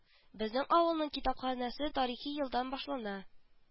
Безнең авылның китапханәсе тарихы ел елдан башлана